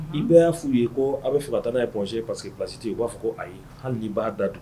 I b'a f'u ye ko a bɛ taa k'a ye Point G Parce que place tɛ yen, u b'a f'u ye ko Ayi hali n'i b'a da duguma.